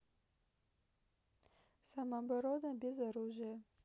самооборона без оружия